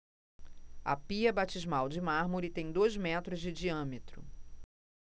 a pia batismal de mármore tem dois metros de diâmetro